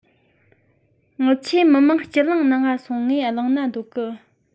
ངི ཆོས མི དམངས སྤྱི གླིང ནང ང སོང ངས བླངས ན འདོད གི